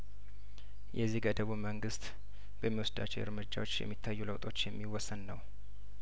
የዚህ ገደቡ መንግስት በሚወስዳቸው እርምጃዎች በሚታዩ ለውጦች የሚወሰን ነው